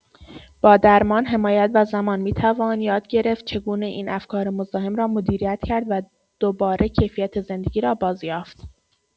با درمان، حمایت و زمان می‌توان یاد گرفت چگونه این افکار مزاحم را مدیریت کرد و دوباره کیفیت زندگی را بازیافت.